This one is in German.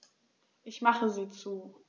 Ich mache sie zu.